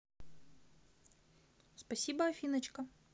спасибо афиночка